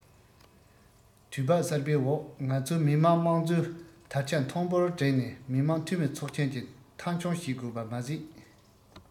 དུས བབ གསར པའི འོག ང ཚོས མི དམངས དམངས གཙོའི དར ཆ མཐོན པོར བསྒྲེངས ནས མི དམངས འཐུས མི ཚོགས ཆེན གྱི མཐའ འཁྱོངས བྱེད དགོས པ མ ཟད